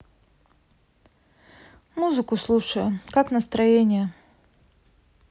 музыку слушаю как настроение